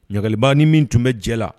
Ɲamakalalibaa ni min tun bɛ jɛ la